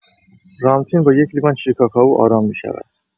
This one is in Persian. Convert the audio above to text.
رامتین با یک لیوان شیرکاکائو آرام می‌شود.